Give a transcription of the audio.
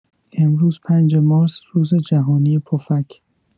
امروز ۵ مارس روز جهانی پفک!